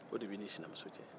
o de b'i n'i sinamuso cɛ